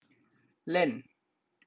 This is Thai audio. เล่น